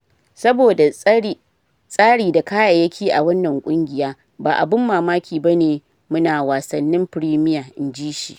Saboda tsari da kayayyaki a wannan kungiya, ba abun mamaki ba ne mu na Wassanin Fremiya, "in ji shi.